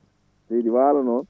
leydi waalo noon